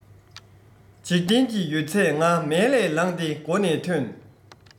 འཇིག རྟེན གྱི ཡོད ཚད ང མལ ལས ལངས ཏེ སྒོ ནས ཐོན